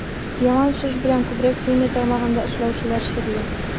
Яман шеш белән күбрәк химия тармагында эшләүчеләр чирли.